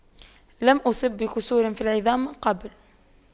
لم أصب بكسور في العظام من قبل